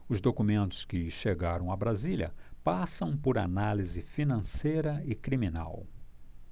os documentos que chegaram a brasília passam por análise financeira e criminal